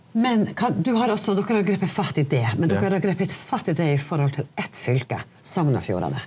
men kan du har altså dere har grepet fatt i det men dere har grepet fatt i det i forhold til ett fylke Sogn og Fjordane.